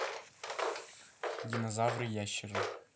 динозавры ящеры